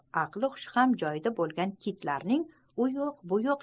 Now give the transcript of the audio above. aqli hushi ham joyida bo'lgan kitlarning u yo'q bu yo'q